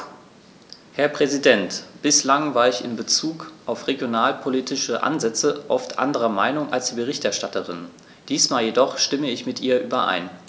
Herr Präsident, bislang war ich in bezug auf regionalpolitische Ansätze oft anderer Meinung als die Berichterstatterin, diesmal jedoch stimme ich mit ihr überein.